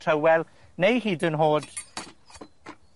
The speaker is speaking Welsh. trywel, neu hyd yn ho'd